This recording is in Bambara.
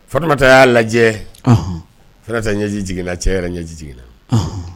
Fata y'a lajɛ ɲɛji jiginigna cɛyara ɲɛji jiginna